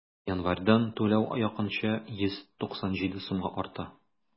Январьдан түләү якынча 197 сумга арта.